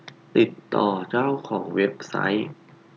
ติดต่อเจ้าของเว็บไซต์